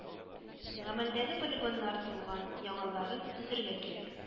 Гамәлдәге полигоннар тулган, яңаларын төзергә кирәк